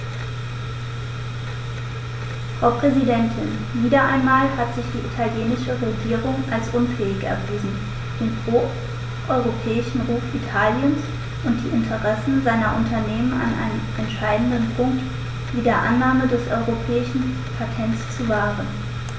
Frau Präsidentin, wieder einmal hat sich die italienische Regierung als unfähig erwiesen, den pro-europäischen Ruf Italiens und die Interessen seiner Unternehmen an einem entscheidenden Punkt wie der Annahme des europäischen Patents zu wahren.